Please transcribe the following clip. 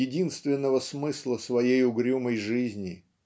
единственного смысла своей угрюмой жизни